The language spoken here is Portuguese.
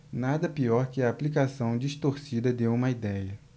nada pior que a aplicação distorcida de uma idéia